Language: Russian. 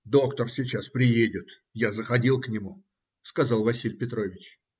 - Доктор сейчас приедет; я заходил к нему, - сказал Василий Петрович.